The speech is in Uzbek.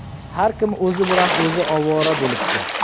har kim o'zi bilan o'zi ovora bo'libdi